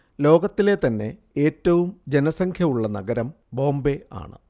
ലോകത്തിലെ തന്നെ ഏറ്റവും ജനസംഖ്യ ഉള്ള നഗരം ബോംബെ ആണ്